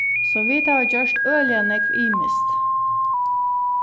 so vit hava gjørt øgiliga nógv ymiskt